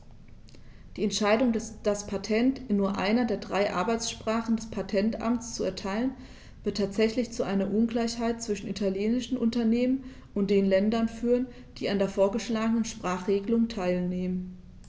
Die Entscheidung, das Patent in nur einer der drei Arbeitssprachen des Patentamts zu erteilen, wird tatsächlich zu einer Ungleichheit zwischen italienischen Unternehmen und den Ländern führen, die an der vorgeschlagenen Sprachregelung teilnehmen.